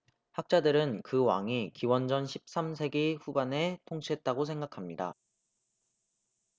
학자들은 그 왕이 기원전 십 삼 세기 후반에 통치했다고 생각합니다